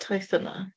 ...taith yna?